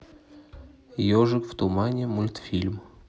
ежик в тумане мультфильм